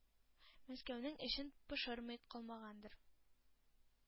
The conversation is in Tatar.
Мәскәүнең эчен пошырмый калмагандыр.